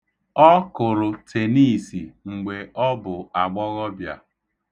Ọ kụrụ teniisi mgbe ọ bụ agbọghọbịa.